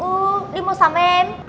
ừ đi mua sắm với em